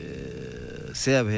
sève; fra hee